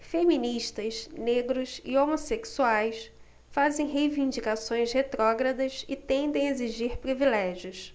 feministas negros e homossexuais fazem reivindicações retrógradas e tendem a exigir privilégios